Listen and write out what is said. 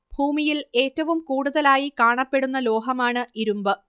ഭൂമിയിൽ ഏറ്റവും കൂടുതലായി കാണപ്പെടുന്ന ലോഹമാണ് ഇരുമ്പ്